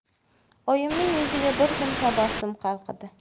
oyimning yuziga bir zum tabassum qalqidi